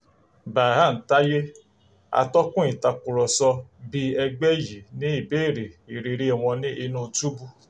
Berhan Taye, atọ́kùn ìtàkùrọ̀sọ, bi ẹgbẹ́ yìí ní ìbéèrè ìrírí wọn ní inú túbú.